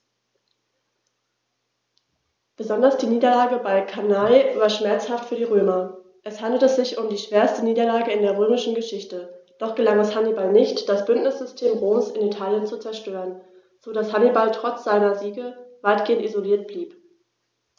Besonders die Niederlage bei Cannae war schmerzhaft für die Römer: Es handelte sich um die schwerste Niederlage in der römischen Geschichte, doch gelang es Hannibal nicht, das Bündnissystem Roms in Italien zu zerstören, sodass Hannibal trotz seiner Siege weitgehend isoliert blieb.